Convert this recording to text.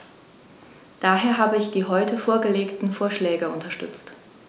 Daher habe ich die heute vorgelegten Vorschläge unterstützt.